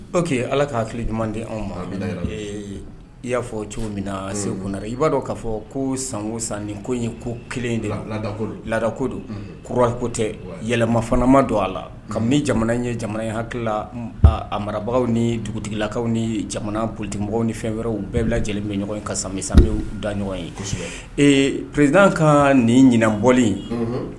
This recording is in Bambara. O que ala ka hakili ɲuman di anw ma i y'a fɔ cogo min na segu i b'a dɔn k'a fɔ ko sango san ni ko ye ko kelen in de ladako don koko tɛ yɛlɛmafanama don a la ka ni jamana ye jamana in hakilila a marabagaw ni dugutigilakaw ni jamana politembagaw ni fɛn wɛrɛw u bɛɛ bila lajɛlen bɛ ɲɔgɔn ye ka sanmi sa da ɲɔgɔn ye ee pererezdna ka nin ɲinbɔlen